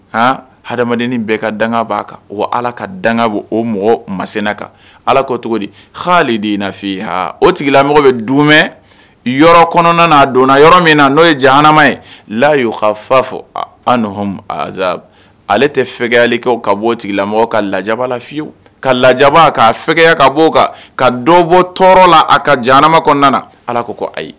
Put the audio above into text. Ha ha adamaden bɛɛ ka dan b'a kan ala ka dan bɔ o mɔgɔ masna kan ala ko cogo di haale de n'a fɔ h o tigilamɔgɔ bɛ dugu yɔrɔ kɔnɔna a donna yɔrɔ min na n'o ye jamanama ye layiy ka fa fɔzsa ale tɛ fɛyali kɛ ka bɔo tigila ka lafiyewu ka lajaba ka fɛya ka bɔo kan ka do bɔ tɔɔrɔ la a ka jamanama kɔnɔna ala ko ayi